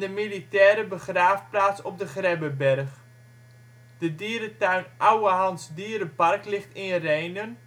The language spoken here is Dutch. militaire begraafplaats op de Grebbeberg De dierentuin Ouwehands Dierenpark ligt in Rhenen